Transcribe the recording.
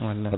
wallahi